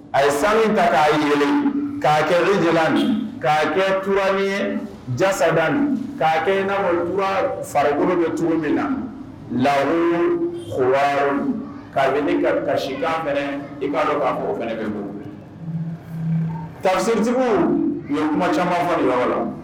A ye sanu ta k'a ye kaa kɛjɛ min k kaa kɛura min ye jaasada min k' kɛ inina faribolo bɛ cogo min na lauru h k'a ye kasidaɛrɛ i b'a dɔn'a bɛ taritigiw ɲɔ kuma caman ma la